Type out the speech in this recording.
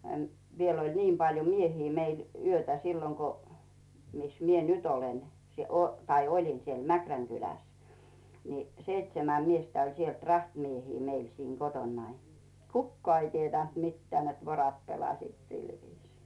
- vielä oli niin paljon miehiä meillä yötä silloin kun missä minä nyt olen tai olin siellä Mäkrän kylässä niin seitsemän miestä oli sieltä rahtimiehiä meillä siinä kotonani kukaan ei tiennyt mitään että vorot pelasivat sillä viisiin